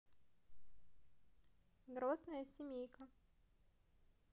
грозная семейка